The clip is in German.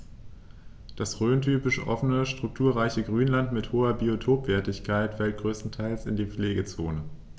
Das rhöntypische offene, strukturreiche Grünland mit hoher Biotopwertigkeit fällt größtenteils in die Pflegezone.